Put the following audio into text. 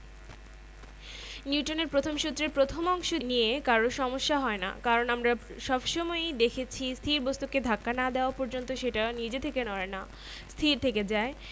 নিউটনের প্রথম সূত্রের প্রথম অংশ নিয়ে কারো সমস্যা হয় না কারণ আমরা সব সময়ই দেখেছি স্থির বস্তুকে ধাক্কা না দেওয়া পর্যন্ত সেটা নিজে থেকে নড়ে না স্থির থেকে যায়